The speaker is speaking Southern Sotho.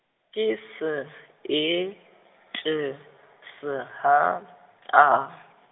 ke S E T S H A.